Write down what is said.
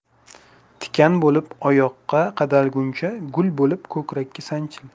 tikan bo'lib oyoqqa qadalguncha gul bo'lib ko'krakka sanchil